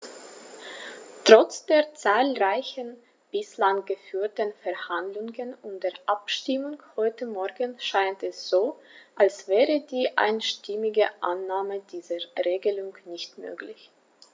Trotz der zahlreichen bislang geführten Verhandlungen und der Abstimmung heute Morgen scheint es so, als wäre die einstimmige Annahme dieser Regelung nicht möglich.